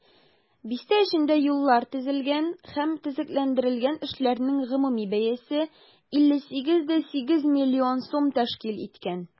Бистә эчендә юллар төзелгән һәм төзекләндерелгән, эшләрнең гомуми бәясе 58,8 миллион сум тәшкил иткән.